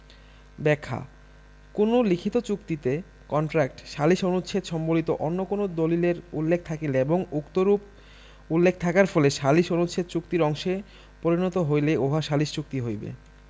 ব্যাখ্যাঃ কোন লিখিত চুক্তিতে কন্ট্রাক্ট সালিস অনুচ্ছেদ সম্বলিত অন্য কোন দালিলের উল্লেখ থাকিলে এবং উক্তরূপ উল্লেখ থাকার ফলে সালিস অনুচ্ছেদ চুক্তির অংশে পরিণত হইলে উহা সালিস চুক্তি হইবে